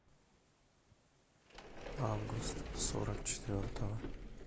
август сорок четвертого